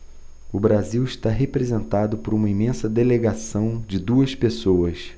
o brasil está representado por uma imensa delegação de duas pessoas